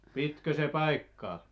pitikö se paikkaa